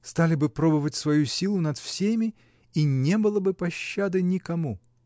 Стали бы пробовать свою силу над всеми, и не было бы пощады никому.